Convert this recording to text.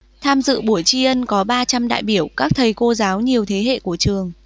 tham dự buổi tri ân có ba trăm đại biểu các thầy cô giáo nhiều thế hệ của trường